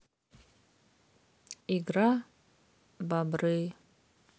игра бобры